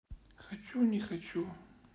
хочу не хочу